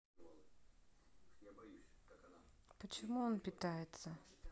почему он питается